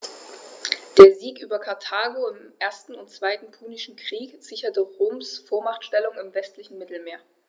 Der Sieg über Karthago im 1. und 2. Punischen Krieg sicherte Roms Vormachtstellung im westlichen Mittelmeer.